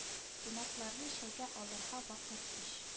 Кунакларны чәйгә алырга вакыт ич